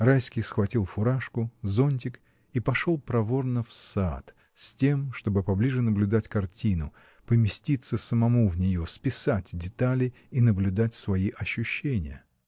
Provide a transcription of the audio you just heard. Райский схватил фуражку, зонтик и пошел проворно в сад, с тем чтобы поближе наблюдать картину, поместиться самому в нее, списать детали и наблюдать свои ощущения.